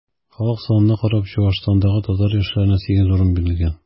Халык санына карап, Чуашстандагы татар яшьләренә 8 урын бирелгән.